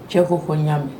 Cɛ ko ko y'a mɛn